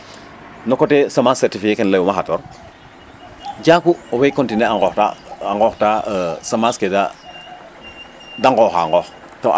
parce que meme no coté semence certifier ke layuuma xaator jaaku owey continuer a nqooxta a nqooxta semence de nqooxa nqoox .